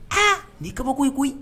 Ha nin kabako ye koyi